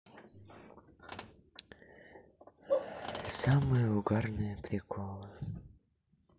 самые угарные приколы